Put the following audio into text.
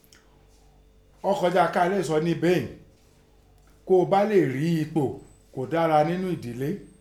Ọ́ kọjá ihun a léè sọ ńbeé ìnín, kọ́ ọ bá lè rí ẹpò kọ́ dára ńnú ẹ̀ndílé.